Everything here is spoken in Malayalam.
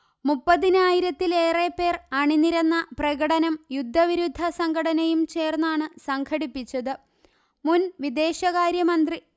മുപ്പതിനായിരത്തിലേറെ പേർ അണിനിരന്ന പ്രകടനം യുദ്ധവിരുദ്ധ സംഘടനയും ചേർന്നാണ് സംഘടിപ്പിച്ചത് മുൻ വിദേശകാര്യ മന്ത്രി